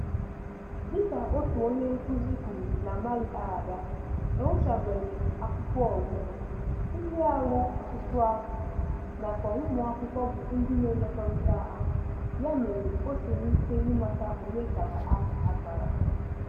Dịka otu onye nkụzi kwuru n'amaghị aha ya, enyochabeghị akwụkwọ ọgụgụ ndị a ruo ọtụtụ afọ, nakwa ụmụakwụkwọ bụ ndị na-ekekọrịta ha, ya mere o siri ike ịmata onye kara ha akara.